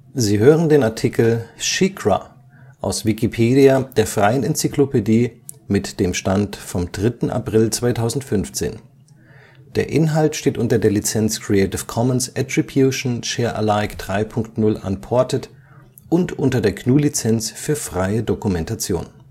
Sie hören den Artikel SheiKra, aus Wikipedia, der freien Enzyklopädie. Mit dem Stand vom Der Inhalt steht unter der Lizenz Creative Commons Attribution Share Alike 3 Punkt 0 Unported und unter der GNU Lizenz für freie Dokumentation